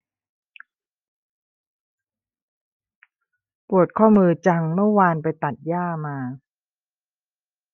ปวดข้อมือจังเมื่อวานไปตัดหญ้ามา